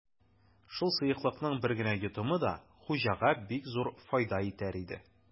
Шул сыеклыкның бер генә йотымы да хуҗага бик зур файда итәр иде.